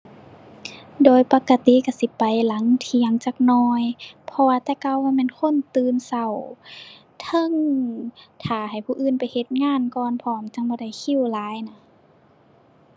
โดยปกติก็สิไปหลังเที่ยงจักหน่อย เพราะว่าแต่เก่าบ่แม่นคนตื่นก็ เทิงท่าให้ผู้อื่นไปเฮ็ดงานก่อนพร้อมจั่งบ่ได้คิวหลายน่ะ